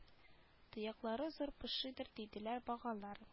Тояклары зур пошидыр диделәр багалар